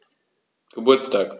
Geburtstag